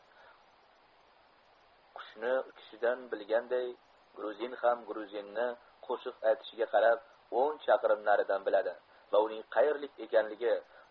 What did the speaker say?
qushni uchishidan bilganday gmzin ham gmzinni qo'shiq aytishiga qarab o'n chaqirim naridan biladi va uning qaerlik ekanligi